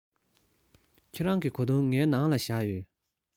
ཁྱེད རང གི གོས ཐུང ངའི ནང ལ བཞག ཡོད